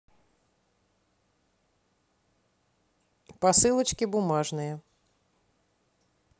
посылочки бумажные